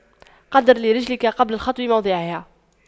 قَدِّرْ لِرِجْلِكَ قبل الخطو موضعها